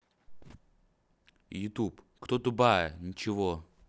youtube кто тупая ничего